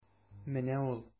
Менә ул.